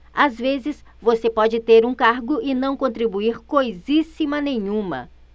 às vezes você pode ter um cargo e não contribuir coisíssima nenhuma